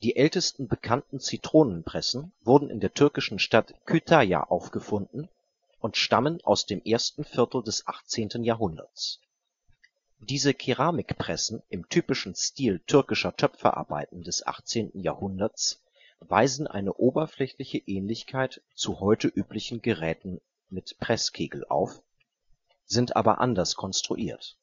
ältesten bekannten Zitronenpressen wurden in der türkischen Stadt Kütahya aufgefunden und stammen aus dem ersten Viertel des 18. Jahrhunderts. Diese Keramikpressen im typischen Stil türkischer Töpferarbeiten des 18. Jahrhunderts weisen eine oberflächliche Ähnlichkeit zu heute üblichen Geräten mit Presskegel auf, sind aber anders konstruiert